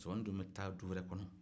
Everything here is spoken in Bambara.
musomani dun bɛ taa du wɛrɛ kɔnɔ